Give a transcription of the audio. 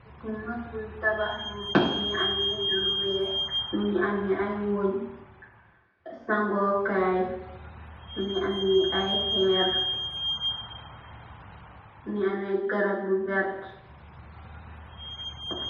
Bu mak buñ tabah, mungi ameh lu weeh, mungi ameh aye weuñ, sangoo kaay, mungi ameh aye heer, mungi ameh garap bu vert.